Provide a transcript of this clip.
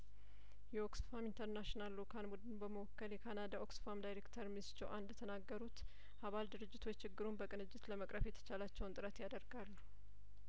የኦክስፋም ኢንተርናሽናል ልኡካን ቡድንን በመወከል የካናዳ ኦክስፋም ዳይሬክተር ሚስጆ አን እንደተናገሩት አባል ድርጅቶች ችግሩን በቅንጅት ለመቅረፍ የተቻላቸውን ጥረት ያደርጋሉ